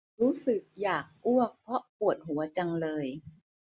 รู้สึกอยากอ้วกเพราะปวดหัวจังเลย